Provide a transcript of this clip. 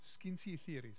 Sgin ti theories?